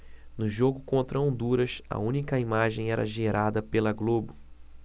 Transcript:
no jogo contra honduras a única imagem era gerada pela globo